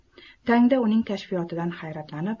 tangda uning kashfiyotidan hayratlanib